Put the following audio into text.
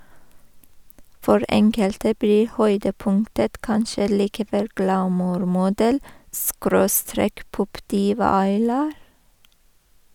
For enkelte blir høydepunktet kanskje likevel glamourmodell- skråstrek- popdiva Aylar.